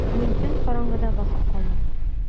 Мин дөм караңгыда басып калдым.